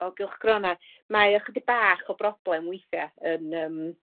o gylchgrona. Mae o chydig bach o broblam weithia' yn yym